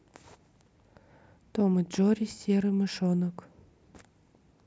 том и джорри и серый мышонок